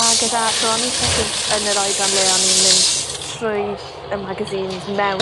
a gyda so o'n i sort of yn yr oedran le o'n i'n mynd trwy y magazines mewn